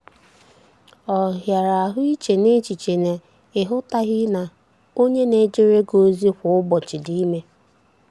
Ọ hịara ahụ iche n'echiche na ị hutaghị na onye na-ejere gị ozi kwa ụbọchị dị ime.